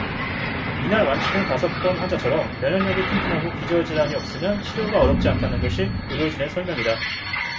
이날 완치된 다섯 번 환자처럼 면역력이 튼튼하고 기저 질환이 없으면 치료가 어렵지 않다는 것이 의료진의 설명이다